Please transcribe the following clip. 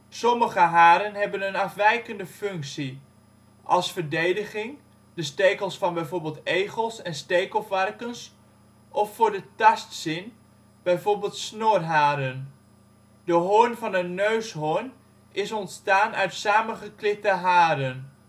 Sommige haren hebben een afwijkende functie, als verdediging (de stekels van bijvoorbeeld egels en stekelvarkens) of voor de tastzin (bijvoorbeeld snorharen). De hoorn van een neushoorn is ontstaan uit samengeklitte haren